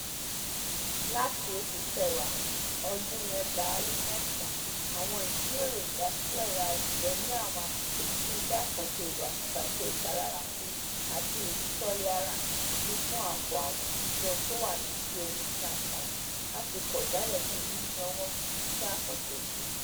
Láti October 2014, àwọn ìjíròrò ìdásí ọ̀rọ̀ àwùjọ ní àwọn agbègbè tí iṣẹ́ àkànṣe ìwakùsà ṣe ìpalára fún àti ìlu Toliara ti fún ọ̀pọ̀ àwọn àwùjọ tó wà léti omi ni ànfààní láti le kọ̀ jálẹ̀ sí níní ọwọ́ nínú iṣẹ́ àkànṣe yìí.